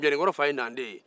npɛnikoro fa ye naaden ye